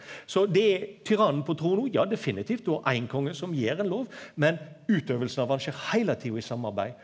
så det er tyrannen på trona, ja definitivt, og ein konge som gjev ein lov, men utøvinga av han skjer heile tida i samarbeid.